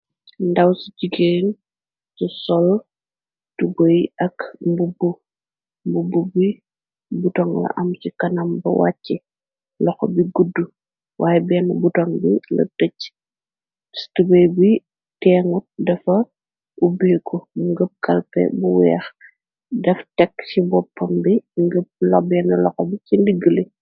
Ndàw ci jigeen cu sol tugo y ak bubbu bi butoŋ la am ci kanam ba wàcci loxo bi gudd waaye benn buton bi la tëcc stube bi teenut dafa ubbeeku bu ngëb kalpe bu weex dafa tekk ci boppam bi ngëb la benn loxo bi ci ndiggli.